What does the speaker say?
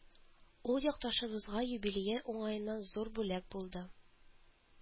Ул якташыбызга юбилее уңаеннан зур бүләк булды